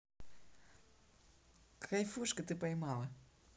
кайфушка ты поймала